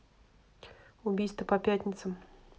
убийство по пятницам